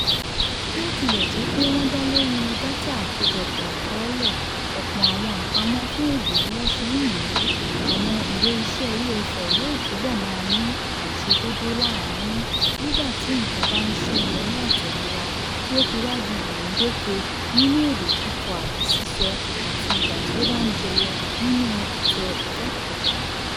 Bí ó tilẹ̀ jẹ́ pé wọ́n dá lórí "dátà àkójọpọ̀ àkọọ́lẹ̀" — ọ̀pọ̀ àwọn àpamọ́ fún èdè bí wọ́n ṣe ń lò ó — àwọn ìwé iṣẹ́ EFL yóò túbọ̀ máa ní àìṣedéédé láàárín nígbà tí nǹkan ba ń ṣẹ́yọ ní àtẹ̀léra tí ó fi wá di gbèǹdéke nínú èdè kíkọ àbí sísọ àti ìgbà tí ó bá ń jẹyọ nínú àtẹ ìkẹ́kọ̀ọ́.